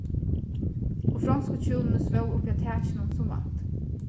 og fronsku hjúnini svóvu uppi á takinum sum vant